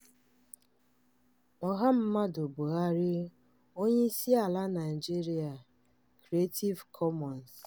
Muhammadu Buhari, onye isi ala naijiria. Creative Commons.